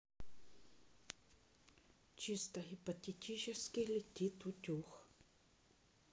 чисто гипотетически летит утюг